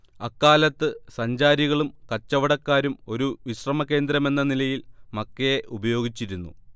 അക്കാലത്ത് സഞ്ചാരികളും കച്ചവടക്കാരും ഒരു വിശ്രമ കേന്ദ്രമെന്ന നിലയിൽ മക്കയെ ഉപയോഗിച്ചിരുന്നു